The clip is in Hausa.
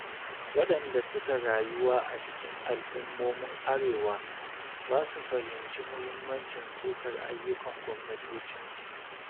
Waɗanda suka rayuwa a cikin al'ummomin arewa basu fahimci muhimmancin sukar ayyukan gwamnatocinsu.